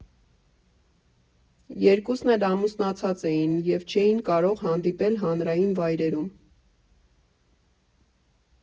Երկուսն էլ ամուսնացած էին և չէին կարող հանդիպել հանրային վայրերում։